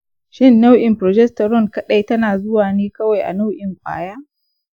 shin nau'in progesterone kaɗai tana zuwa ne kawai a nau'in kwaya?